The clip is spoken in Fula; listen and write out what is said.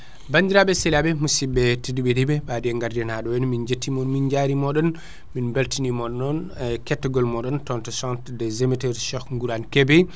bandirɓe sehilaaɓe musiɓɓe tedduɓe heeɗiɓe bade en gardi hen ha ɗo henna min jetti mom mi jaarima moɗon min beltanima non ketta gol moɗon tonto to centre des émetteur Cheikh Gurane Kebe